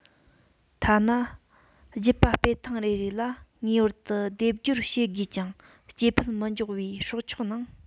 ཐ ན རྒྱུད པ སྤེལ ཐེངས རེ རེ ལ ངེས པར དུ སྡེབ སྦྱོར བྱེད དགོས ཀྱང སྐྱེ འཕེལ མི མགྱོགས པའི སྲོག ཆགས ནང